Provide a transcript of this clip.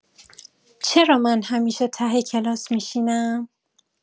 چرا من همیشه ته کلاس می‌شینم؟